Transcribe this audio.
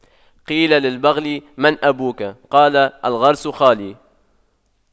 قيل للبغل من أبوك قال الفرس خالي